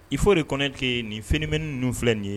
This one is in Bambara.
I fɔo de kɔnɛ tɛ nin fminɛ ninnu filɛ nin ye